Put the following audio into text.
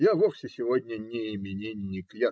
Я вовсе сегодня не именинник.